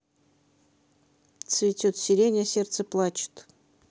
цветет сирень а сердце плачет